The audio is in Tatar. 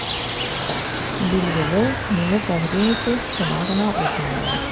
Билгеле, мине тәкъдим итү шома гына узмаган.